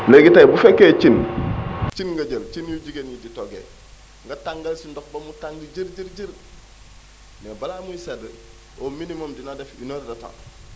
léegi tey bu fekkee cin cin nga jël cin yu jigéen ñi di toggee nga tàngal si ndox ba mu tàng jër jër jër mais balaa muy sedd au minimum dina def une heure de temps